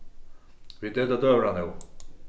vit eta døgurða nú